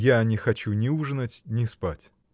— Я не хочу ни ужинать, ни спать.